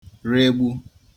regbu